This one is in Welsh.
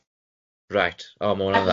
Right, o ma' hwnna'n dda.